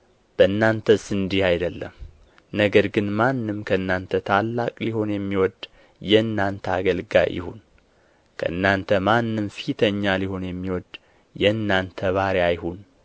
በእናንተስ እንዲህ አይደለም ነገር ግን ማንም ከእናንተ ታላቅ ሊሆን የሚወድ የእናንተ አገልጋይ ይሁን ከእናንተም ማንም ፊተኛ ሊሆን የሚወድ የእናንተ ባሪያ ይሁን